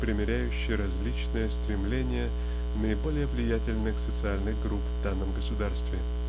примиряющий различные стремления наиболее влиятельных социальных групп в данном государстве.